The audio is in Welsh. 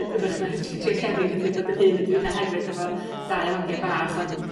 a dw- 'w'rach na bod 'yn hun a dw inne hefyd efo dau o hogie bach ond